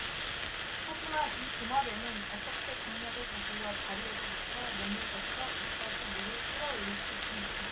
하지만 이 도마뱀은 어떻게 중력을 거슬러 다리에서부터 몸을 거쳐 입까지 물을 끌어 올릴 수 있습니까